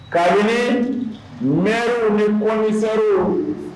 Ka ɲi nerew ni kɔnsɛriw